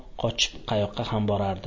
qochib qayoqqa ham borardi